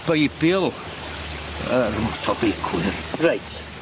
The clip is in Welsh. Beibil yr motobeicwyr. Reit.